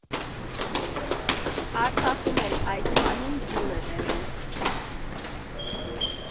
Արցախում էլ այս պահին ձյուն է տեղում։